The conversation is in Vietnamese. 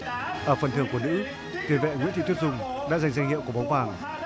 ở phần thưởng của nữ tiền vệ nguyễn thị tuyết dung đã giành danh hiệu quả bóng vàng